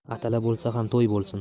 atala bo'lsa ham to'y bo'lsin